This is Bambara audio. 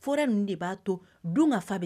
Fura ninnu de b'a to don fa bɛ